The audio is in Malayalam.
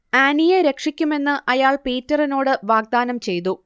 ആനിയെ രക്ഷിക്കുമെന്ന് അയാൾ പീറ്ററിനോട് വാഗ്ദാനം ചെയ്തു